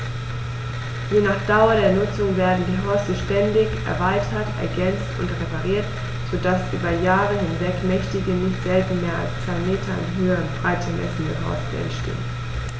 Je nach Dauer der Nutzung werden die Horste ständig erweitert, ergänzt und repariert, so dass über Jahre hinweg mächtige, nicht selten mehr als zwei Meter in Höhe und Breite messende Horste entstehen.